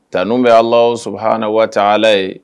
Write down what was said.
Ta bɛ ala h ni waati ala ye